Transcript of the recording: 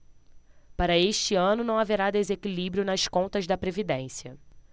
para este ano não haverá desequilíbrio nas contas da previdência